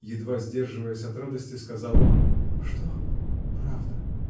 — едва сдерживаясь от радости, сказал он. — Что — правда?